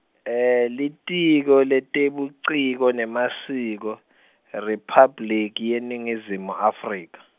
Litiko leTebuciko nemasiko, IRiphabliki yeNingizimu Afrika.